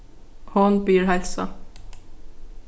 hon biður heilsa